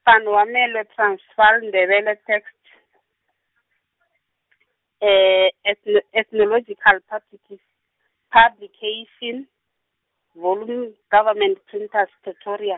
Van Warmelo Transvaal Ndebele texts, Ethno- Ethnological puplica- Publication, volume Government Printers Pretoria.